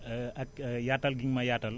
ak yaatal gi nga ma yaatal